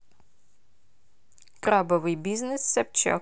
крабовый бизнес собчак